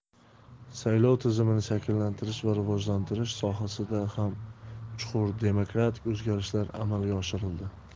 saylov tizimini shakllantirish va rivojlantirish sohasida ham chuqur demokratik o'zgarishlar amalga oshirildi